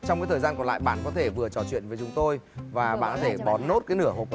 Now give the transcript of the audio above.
trong cái thời gian còn lại bạn có thể vừa trò chuyện với chúng tôi và bạn có thể bón nốt cái nửa hộp